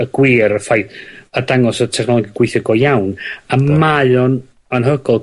y gwir effaith, a dangos y technoleg yn gweithio go iawn, a mae o'n anhygol